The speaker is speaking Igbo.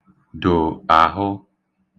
dò àhụ